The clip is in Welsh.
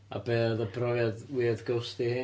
A be oedd y profiad weird, ghosty hi?